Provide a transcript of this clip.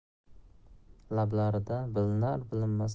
lablarida bilinar bilinmas